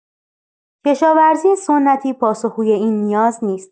کشاورزی سنتی پاسخگوی این نیاز نیست.